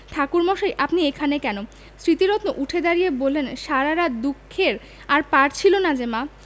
ঠাকুরমশাই আপনি এখানে কেন স্মৃতিরত্ন উঠে দাঁড়িয়ে বললেন সারা রাত দুঃখের আর পার ছিল না যে মা